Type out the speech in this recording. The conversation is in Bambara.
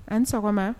An sɔgɔma